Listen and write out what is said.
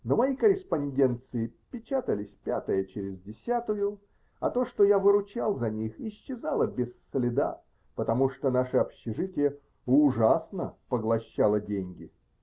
Но мои корреспонденции печатались пятая через десятую, а то, что я выручал за них, исчезало без следа, потому что наше общежитие "ужасно" поглощало деньги.